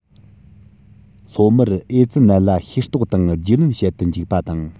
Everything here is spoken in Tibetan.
སློབ མར ཨེ ཙི ནད ལ ཤེས རྟོགས དང རྒྱུས ལོན བྱེད དུ འཇུག པ དང